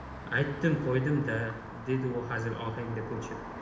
aytdim qo'ydim da dedi u hazil ohangiga ko'chib